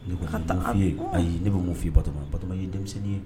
N'i ko ka taa' ye ayi ye ne bɛ mun f fɔ ii batɔ ba ye denmisɛnnin ye